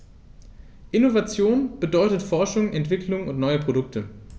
Innovation bedeutet Forschung, Entwicklung und neue Produkte.